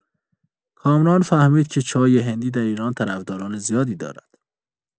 کامران فهمید که چای هندی در ایران طرفداران زیادی دارد.